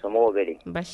Karamɔgɔ bɛ